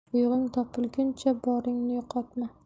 yo'g'ing topilguncha bonngni yo'qotma